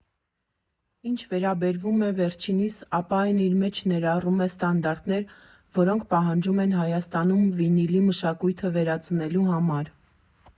Ինչ վերաբերում է վերջինիս, ապա այն իր մեջ ներառում է ստանդարտներ, որոնք պահանջվում են Հայաստանում վինիլի մշակույթը վերածնելու համար։